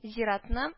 Зиратны